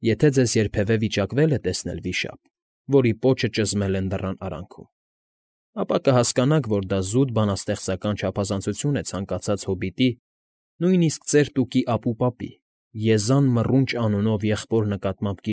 Եթե ձեզ երբևէ վիճակվել է տեսնել վիշապ, որի պոչը ճզմել են դռան արանքում, ապա կհասկանաք, որ դա զուտ բանաստեղծական չափազանցություն է ցանկացած հոբիտի, նույնիսկ Ծեր Տուկի ապուպապի Եզան Մռունչ անունով եղբոր նկատմամբ։